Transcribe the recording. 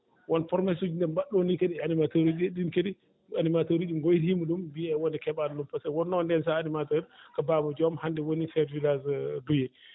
won promesse uuji ɓe mbaɗnoo kadi animateur uuji ɗiin kadi animateur uuji goytiima ɗum mbiyii wonde keɓaani ɗum par ce que wonno ndeen so a animateur ko Baba Diome hannde woni chef de village Douyye